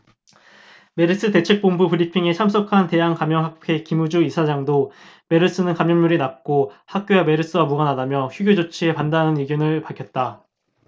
메르스 대책본부 브리핑에 참석한 대한감염학회 김우주 이사장도 메르스는 전염률이 낮고 학교와 메르스가 무관하다며 휴교 조치에 반대한다는 의견을 밝혔다